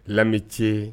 Lami ce